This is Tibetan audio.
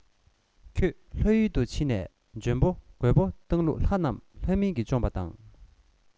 ཁྱོད ལྷ ཡུལ དུ ཕྱིན ནས འཇོན པོ རྒོས པོ བཏང ལུགས ལྷ རྣམས ལྷ མིན གྱིས བཅོམ པ དང